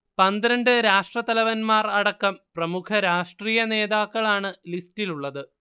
പന്ത്രണ്ട് രാഷ്ട്രത്തലവന്മാർ അടക്കം പ്രമുഖ രാഷ്ട്രീയ നേതാക്കളാണ് ലിസ്റ്റിലുള്ളത്